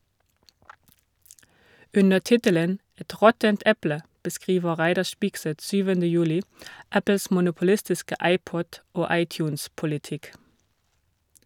Under tittelen «Et råttent eple» beskriver Reidar Spigseth 7. juli Apples monopolistiske iPod- og iTunes-politikk.